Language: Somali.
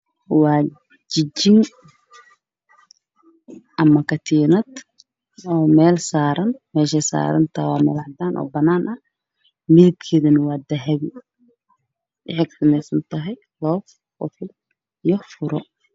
Waa jijin ama katiinad oo meel saaran tahay waa cadaan oo banaan ah midabkeedu waa dahabi, waxay kasameysan tahay qufol iyo fure.